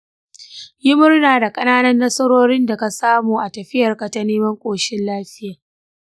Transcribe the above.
yi murna da ƙananan nasarorin da ka samu a tafiyarka ta neman ƙoshin lafiya.